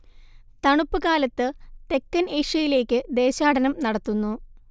തണുപ്പുകാലത്ത് തെക്കൻ ഏഷ്യയിലേക്ക് ദേശാടനം നടത്തുന്നു